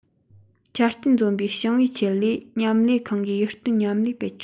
ཆ རྐྱེན འཛོམས པའི ཞིང པའི ཆེད ལས མཉམ ལས ཁང གིས ཡིད རྟོན མཉམ ལས སྤེལ ཆོག